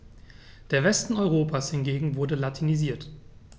Der Westen Europas hingegen wurde latinisiert.